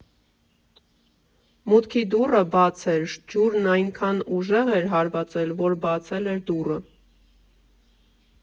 Մուտքի դուռը բաց էր, ջուրն այնքան ուժեղ էր հարվածել, որ բացել էր դուռը։